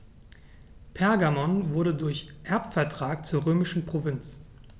Pergamon wurde durch Erbvertrag zur römischen Provinz.